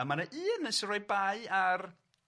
a ma' 'na un sy'n rhoi bai